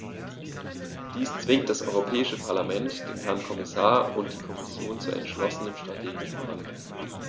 Dies zwingt das Europäische Parlament, den Herrn Kommissar und die Kommission zu entschlossenem strategischen Handeln.